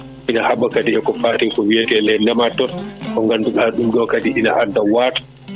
ina haaɓa kadi eko fate ko wiyete les nématodes ko ngannduɗaa ɗum ɗo kadi ina adda waato